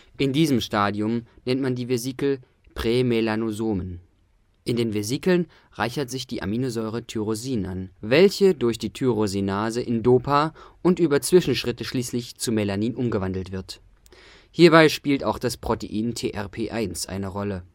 In diesem Stadium nennt man die Vesikel „ Prämelanosomen “. In den Vesikeln reichert sich die Aminosäure Tyrosin an, welche durch die Tyrosinase in DOPA und über Zwischenschritte schließlich zu Melanin umgewandelt wird. Hierbei spielt auch das Protein Trp-1 eine Rolle